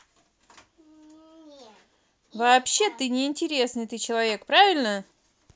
вообще ты неинтересный ты человек правильно